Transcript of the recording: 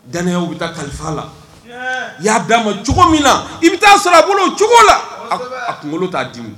Dɔnniyaw bɛ taa kalifa la y'a d di a ma cogo min na i bɛ taa sɔrɔ a kungo cogo la a kunkolo t'a di